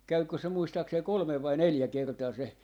kävikö se muistaakseni kolme vai neljä kertaa se